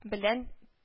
Белән